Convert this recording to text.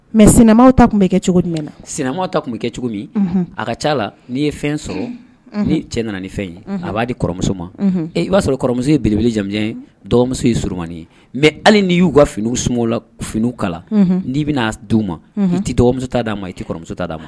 Mɛ sina ta tun bɛ kɛ cogo jumɛn sina ta tun bɛ kɛ cogo min a ka ca la n'i ye fɛn sɔrɔ ni cɛ nana ni fɛn ye a b'a di kɔrɔmuso ma e i b'a sɔrɔ kɔrɔmuso yeelebja dɔgɔmuso ye smaninin ye mɛ hali n nii y'u ka fini sumaworo la fini kala n'i bɛna d' u ma i tɛ dɔgɔmuso ta d'a ma i tɛ kɔrɔmuso'a ma